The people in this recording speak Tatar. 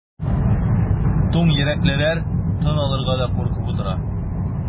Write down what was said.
Туң йөрәклеләр тын алырга да куркып утыра.